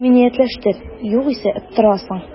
Иминиятләштер, югыйсә оттырасың